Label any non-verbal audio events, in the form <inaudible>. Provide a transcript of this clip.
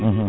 <hesitation> <hesitation>